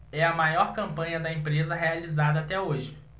é a maior campanha da empresa realizada até hoje